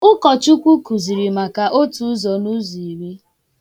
Ukọchukwu kuzịrị maka otuuzọ nụụzọ iri.